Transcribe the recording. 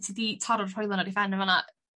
Ti 'di taro'r hoelan ar 'i phen yn fan 'na.